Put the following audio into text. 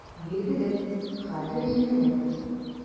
Билгеле, хәзер җиңелрәк.